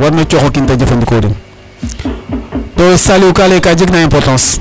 warino coox o kiin te jefandikoorin to Saliou ka lay ka jegna importance